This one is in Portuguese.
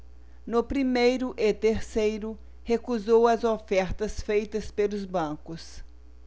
no primeiro e terceiro recusou as ofertas feitas pelos bancos